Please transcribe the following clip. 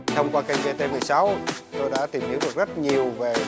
thông qua kênh vê tê mười sáu tôi đã tìm hiểu được rất nhiều về